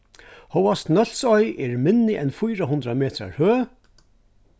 hóast nólsoy er minni enn fýra hundrað metrar høg